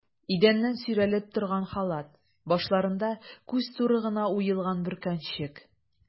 Идәннән сөйрәлеп торган халат, башларында күз туры гына уелган бөркәнчек.